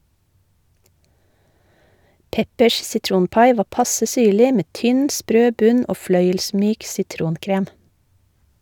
Peppers sitronpai var passe syrlig, med tynn, sprø bunn og fløyelsmyk sitronkrem.